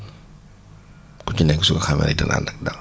ku ci nekk su ko xamee rek dana ànd ak dal